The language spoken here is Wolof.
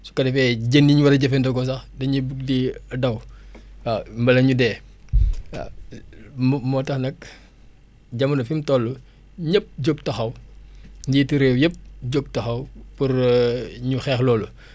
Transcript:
su ko defee jën yi ñu war a jëfandikoo sax dañuy bugg di daw waaw mbala ñu dee waaw mu moo tax nag jamono fi mu toll ñëpp jóg taxaw njiitu réew yëpp jóg taxaw pour ñu xeex loolu